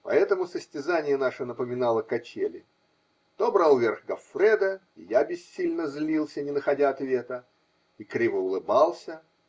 Поэтому состязание наше напоминало качели: то брал верх Гоффредо, и я бессильно злился, не находя ответа, и криво улыбался